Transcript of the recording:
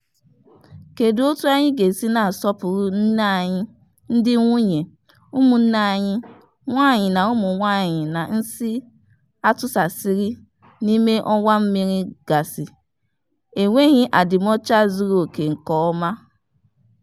Kedu otu anyị ga-esi na-asọpụrụ nne anyị, ndị nwunye, ụmụnne anyị nwaanyị na ụmụ nwaanyị na nsị atụsasịrị n'ime ọwa mmiri gasị - enweghị adịmọcha zuruoke nkeọma?